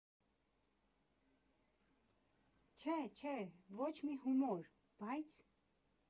֊ Չէ, չէ, ոչ մի հումոր, բայց…